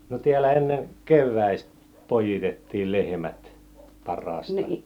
no täällä ennen keväistä poi'itettiin lehmät parhaastaan